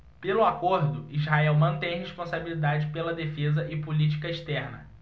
pelo acordo israel mantém responsabilidade pela defesa e política externa